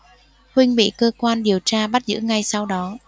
huynh bị cơ quan điều tra bắt giữ ngay sau đó